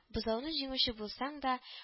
Бозауны җиңүче булсаң да